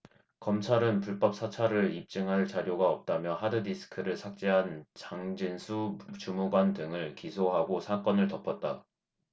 검찰은 불법 사찰을 입증할 자료가 없다며 하드디스크를 삭제한 장진수 주무관 등을 기소하고 사건을 덮었다